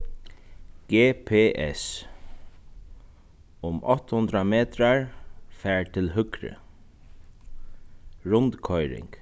gps um átta hundrað metrar far til høgru rundkoyring